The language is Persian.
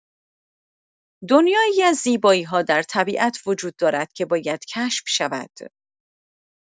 دنیایی از زیبایی‌ها در طبیعت وجود دارد که باید کشف شود.